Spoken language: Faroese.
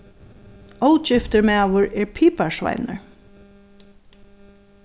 ógiftur maður er piparsveinur s